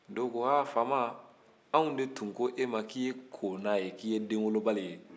dɔw ko aa fama anw de tun ko e ma k'i ye kona ye k'i ye denwolobali ye